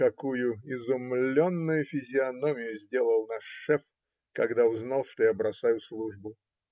Какую изумленную физиономию сделал наш шеф, когда узнал, что я бросаю службу!